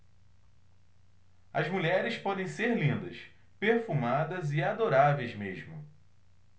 as mulheres podem ser lindas perfumadas e adoráveis mesmo